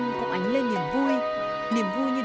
như